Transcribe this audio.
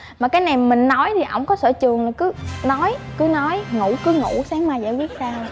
mà cái này mình nói thì ổng có sở trường là cứ nói cứ nói ngủ cứ ngủ sáng mai dậy không biết sao